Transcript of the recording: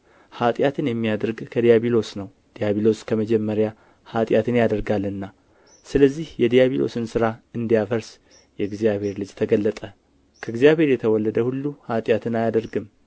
ኃጢአትን የሚያደርግ ከዲያብሎስ ነው ዲያብሎስ ከመጀመሪያ ኃጢአትን ያደርጋልና ስለዚህ የዲያብሎስን ሥራ እንዲያፈርስ የእግዚአብሔር ልጅ ተገለጠ ከእግዚአብሔር የተወለደ ሁሉ ኃጢአትን አያደርግም